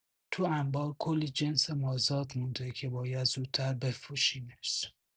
تو انبار کلی جنس مازاد مونده که باید زودتر بفروشیمش.